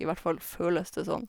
I hvert fall føles det sånn.